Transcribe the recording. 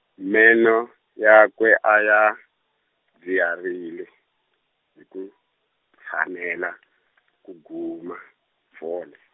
meno yakwe a ya, dzwiharile, hi ku tshamela , ku guma, fole.